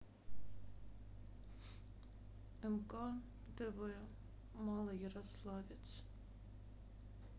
мк тв малоярославец